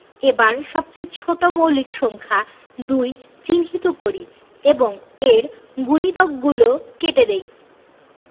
এবার সবচেয়ে ছোট মৌলিক সংখ্যা ২ চিহ্নিত করি এবং এর গুণিতকগলো কেটে দেই